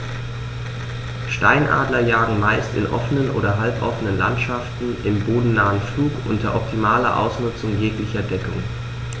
Steinadler jagen meist in offenen oder halboffenen Landschaften im bodennahen Flug unter optimaler Ausnutzung jeglicher Deckung.